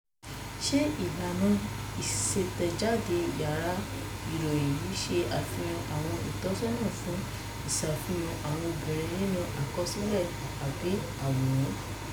Ṣe ìlànà ìṣàtẹ̀jáde yàrá ìròyìn yín ṣe àfihàn àwọn ìtọ́sọ́nà fún ìṣàfihàn àwọn obìnrin nínú àkọsílẹ̀ àbí àwòrán?